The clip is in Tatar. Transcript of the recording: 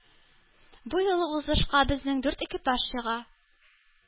Бу юлы узышка безнең дүрт экипаж чыга.